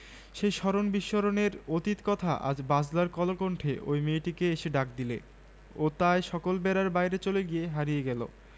কোন আলীজান ব্যাপারী সেই যে অনেক রাতে পাম্পসুর খট খট শব্দ মাহুতটুলির গলি পেরুতেন তিনি সাবান আর তামাকের মস্ত দোকান ছিল যার হ্যাঁ সেই আলীজান ব্যাপারীর হাতেই